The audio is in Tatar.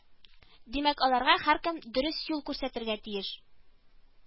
Димәк, аларга һәркем дөрес юл күрсәтергә тиеш